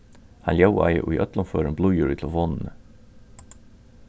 hann ljóðaði í øllum førum blíður í telefonini